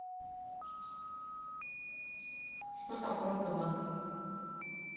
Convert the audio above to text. что такое казан